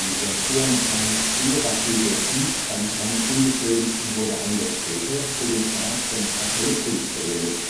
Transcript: Saturn-IB-Rakete blieb beim Brand unbeschädigt und wurde ein Jahr später für den Start von Apollo 5 verwendet